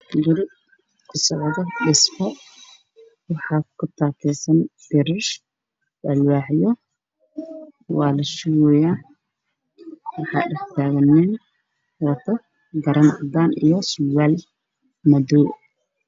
Beeshan waa meel dhismo ku socdo waxaan raggan wiish waxaana ceystan taagan nin wata garab caddaan ah mise waa cagaar ah